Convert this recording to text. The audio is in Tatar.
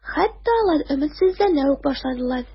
Хәтта алар өметсезләнә үк башладылар.